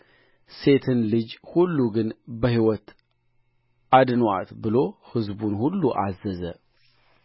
ሴትን ልጅ ሁሉ ግን በሕይወት አድኑአት ብሎ ሕዝቡን ሁሉ አዘዘ